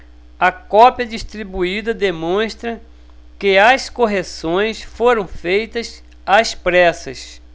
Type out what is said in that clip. a cópia distribuída demonstra que as correções foram feitas às pressas